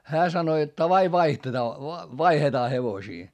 hän sanoi jotta tavai vaihdetaan vaihdetaan hevosia